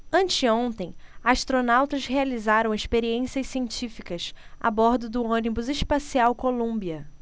anteontem astronautas realizaram experiências científicas a bordo do ônibus espacial columbia